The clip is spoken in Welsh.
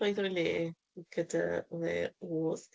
oedd o'i le gyda fe oedd...